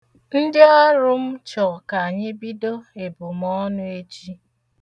Ndị ụlọọrụ m chọ ka-anyị bido ebumọnụ echi.